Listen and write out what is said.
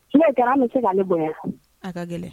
N'o kɛra an bɛ se k'ale bonya, a ka gɛlɛn